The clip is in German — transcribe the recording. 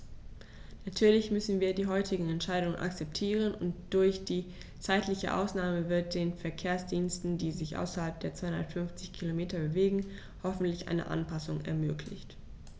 Natürlich müssen wir die heutige Entscheidung akzeptieren, und durch die zeitliche Ausnahme wird den Verkehrsdiensten, die sich außerhalb der 250 Kilometer bewegen, hoffentlich eine Anpassung ermöglicht.